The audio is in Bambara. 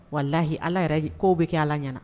Walahi Ala yɛrɛ, kow bɛ kɛ Ala ɲɛ na.